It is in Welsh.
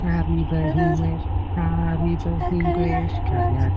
Caru fy hun gwell. Caru fy hun gwell cariad.